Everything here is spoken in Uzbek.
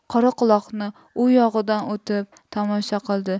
qoraquloqni uyog'idan o'tib tomosha qildi